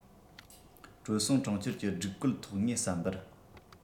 དྲོད སྲུང གྲོང ཁྱེར གྱི སྒྲིག བཀོད ཐོག ངའི བསམ པར